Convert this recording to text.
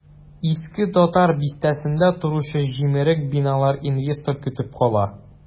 Иске татар бистәсендә торучы җимерек биналар инвестор көтеп кала.